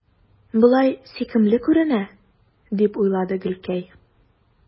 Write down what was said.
Болай сөйкемле күренә, – дип уйлады Гөлкәй.